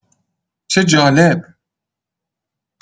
چه جالب!